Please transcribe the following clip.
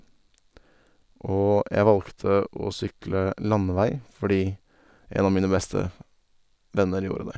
Og jeg valgte å sykle landevei fordi en av mine beste venner gjorde det.